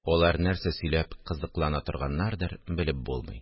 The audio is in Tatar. Алар нәрсә сөйләп кызыклана торганнардыр – белеп булмый